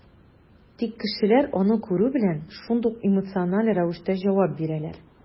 Тик кешеләр, аны күрү белән, шундук эмоциональ рәвештә җавап бирәләр.